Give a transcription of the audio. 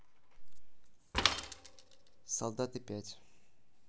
солдаты пять